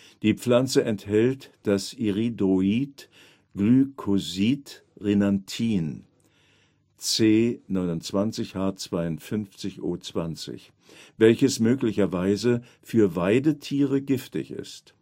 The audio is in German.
Die Pflanze enthält das Iridoid-Glycosid Rhinanthin (C29H52O20), welches möglicherweise für Weidetiere giftig ist